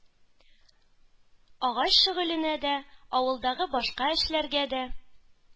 Агач шөгыленә дә, авылдагы башка эшләргә дә